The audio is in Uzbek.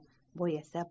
bu esa